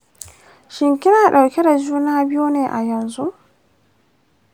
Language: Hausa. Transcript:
shin kina ɗauke da juna biyu ne a yanzu?